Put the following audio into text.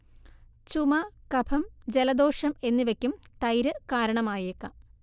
ചുമ, കഫം, ജലദോഷം എന്നിവയ്ക്കും തൈര് കാരണമായേക്കാം